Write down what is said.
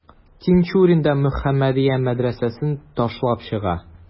Тинчурин да «Мөхәммәдия» мәдрәсәсен ташлап чыга.